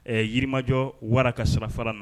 Ɛɛ yirimajɔ wara ka sira fara na